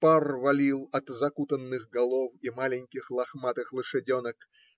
Пар валил от закутанных голов и маленьких лохматых лошаденок